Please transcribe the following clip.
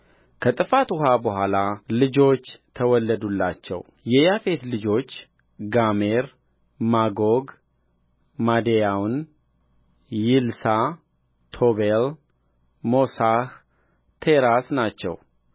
ከጥፋት ውኃም በኋላ ልጆች ተወለዱላቸው የያፌት ልጆች ጋሜር ማጎግ ማዴ ያዋን ይልሳ ቶቤል ሞሳሕ ቴራስ ናቸው